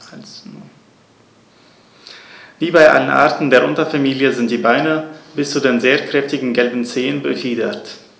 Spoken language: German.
Wie bei allen Arten der Unterfamilie sind die Beine bis zu den sehr kräftigen gelben Zehen befiedert.